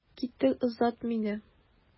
Киттек, озат мине.